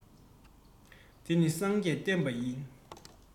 འདི ནི སངས རྒྱས བསྟན པ ཡིན